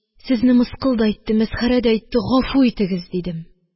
Сезне мыскыл да итте, мәсхәрә дә итте, гафу итегез, – дидем